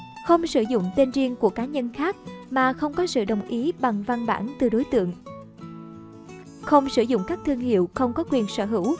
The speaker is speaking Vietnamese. không sử dụng tên riêng của cá nhân khác mà không có sự đồng ý bằng văn bản từ đối tượng không sử dụng các thương hiệu không có quyền sở hữu